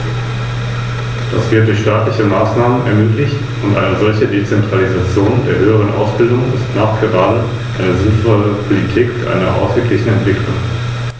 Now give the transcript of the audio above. Zu den Worten von Herrn Swoboda über die Tätigkeit des CEN möchte ich sagen, dass wir sie drängen, ihre Arbeit maximal zu beschleunigen, denn es wäre dramatisch, wenn wir trotz der neuen Frist nach etwas mehr als einem Jahr vor den gleichen Schwierigkeiten stehen würden, weil die Arbeiten nicht zum Abschluss gebracht wurden.